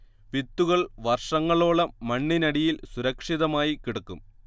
വിത്തുകൾ വർഷങ്ങളോളം മണ്ണിനടിയിൽ സുരക്ഷിതമായി കിടക്കും